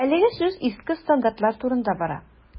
Әлегә сүз иске стандартлар турында бара.